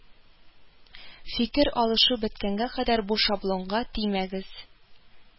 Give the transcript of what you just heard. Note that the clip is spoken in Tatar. Фикер алышу беткәнгә кадәр бу шаблонга тимәгез